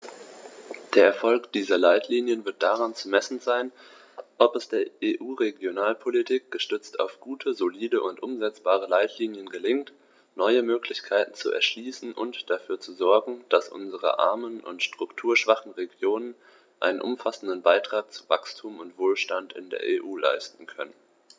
Der Erfolg dieser Leitlinien wird daran zu messen sein, ob es der EU-Regionalpolitik, gestützt auf gute, solide und umsetzbare Leitlinien, gelingt, neue Möglichkeiten zu erschließen und dafür zu sorgen, dass unsere armen und strukturschwachen Regionen einen umfassenden Beitrag zu Wachstum und Wohlstand in der EU leisten können.